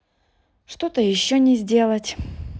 что то еще не сделать